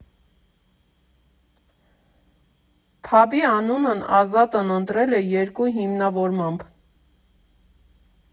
Փաբի անունն Ազատն ընտրել է երկու հիմնավորմամբ.